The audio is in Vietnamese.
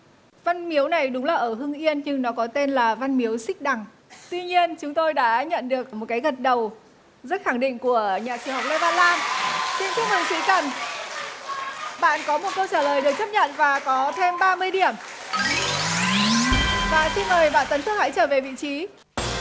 văn miếu này đúng là ở hưng yên nhưng nó có tên là văn miếu xích đằng tuy nhiên chúng tôi đã nhận được một cái gật đầu rất khẳng định của nhà sử học lê văn lam xin chúc mừng sĩ cần bạn có một câu trả lời được chấp nhận và có thêm ba mươi điểm và xin mời bạn tấn thư hãy trở về vị trí